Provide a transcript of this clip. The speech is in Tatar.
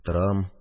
Торам